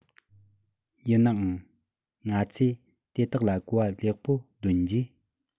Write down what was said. ཡིན ནའང ང ཚོས དེ དག ལ གོ བ ལེགས པོ ལོན རྗེས